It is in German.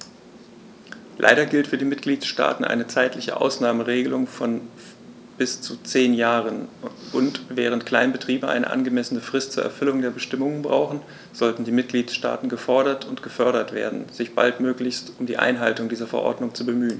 Leider gilt für die Mitgliedstaaten eine zeitliche Ausnahmeregelung von bis zu zehn Jahren, und, während Kleinbetriebe eine angemessene Frist zur Erfüllung der Bestimmungen brauchen, sollten die Mitgliedstaaten gefordert und gefördert werden, sich baldmöglichst um die Einhaltung dieser Verordnung zu bemühen.